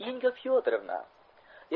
inga fyodorovna